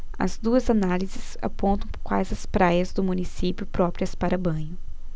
as duas análises apontam quais as praias do município próprias para banho